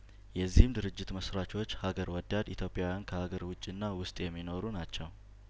የዚህም ድርጅት መስራቾች ሀገር ወዳድ ኢትዮጵያውያን ከሀገር ውጭና ውስጥ የሚኖሩ ናቸው